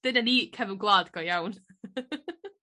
dydan ni cefn gwlad go iawn.